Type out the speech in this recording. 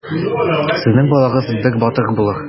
Сезнең балагыз бер батыр булыр.